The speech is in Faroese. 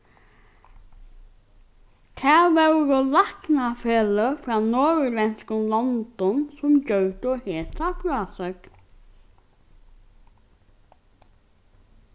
tað vóru læknafeløg frá norðurlendskum londum sum gjørdu hesa frásøgn